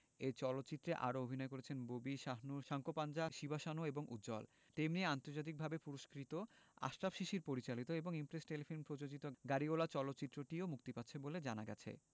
এ চলচ্চিত্রে আরও অভিনয় করেছেন ববি শাহনূর সাঙ্কোপাঞ্জা শিবা সানু এবং উজ্জ্বল তেমনি আন্তর্জাতিকভাবে পুরস্কৃত আশরাফ শিশির পরিচালিত এবং ইমপ্রেস টেলিফিল্ম প্রযোজিত গাড়িওয়ালা চলচ্চিত্রটিও মুক্তি পাচ্ছে বলে জানা গেছে